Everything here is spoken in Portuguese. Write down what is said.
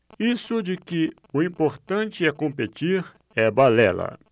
isso de que o importante é competir é balela